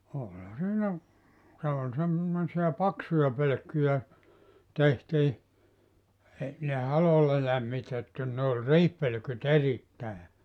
no olihan siinä se oli - semmoisia paksuja pölkkyjä tehtiin ei ne halolla lämmitettiin ne oli riihipölkyt erittäin